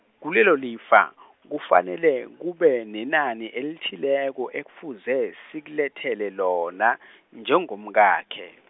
kilelo lifa , kufanele kube nenani elithileko ekufuze sikulethele lona , njengomkakhe.